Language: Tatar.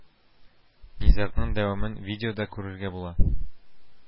Низагның дәвамын видеода күрергә була